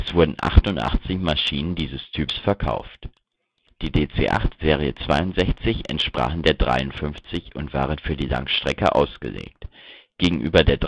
wurden 88 Maschinen dieses Typs verkauft. Die DC-8 Serie 62 entsprachen der -53 und waren für die Langstrecke ausgelegt. Gegenüber der